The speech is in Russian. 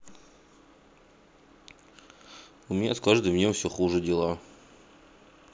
у меня с каждым днем все хуже дела